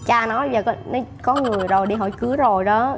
cha nói giờ có có người rồi đi hỏi cưới rồi đó